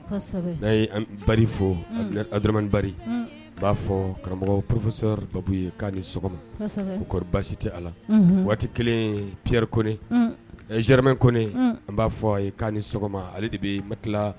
Kosɛbɛ! N'a ye an Bari fo,. Unhun! Abuduramani Bari,. Unhun! B'a fɔ karamɔgɔ professeur Babu ye, k'a ni sɔgɔma. Kosɛbɛ ! Kɔnni basi tɛ a la,. Unhun! O waati kelen, Piyɛri Kone. Unhun! Ɛn Germain Kone,. Unhun. An b'a fɔ a ye k'ani sɔgɔma, ale de bɛ matelas .